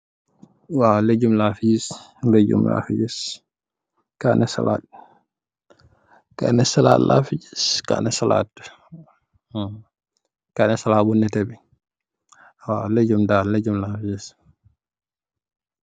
Lajum la fi gis, kaneh salat bu netteh bi.